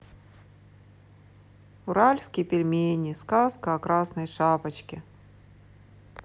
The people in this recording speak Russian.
уральские пельмени сказка о красной шапочке